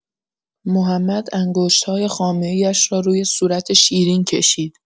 محمد انگشت‌های خامه‌ای‌اش را روی صورت شیرین کشید.